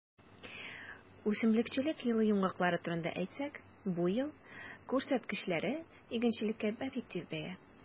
Үсемлекчелек елы йомгаклары турында әйтсәк, бу ел күрсәткечләре - игенчелеккә объектив бәя.